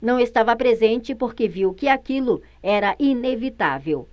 não estava presente porque viu que aquilo era inevitável